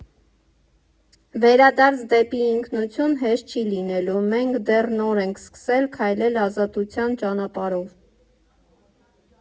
Վերադարձ դեպի ինքնություն հեշտ չի լինելու, մենք դեռ նոր ենք սկսել քայլել ազատության ճանապարհով։